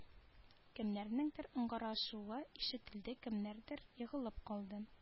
Кемнәрнеңдер ыңгырашуы ишетелде кемнәрдер егылып калды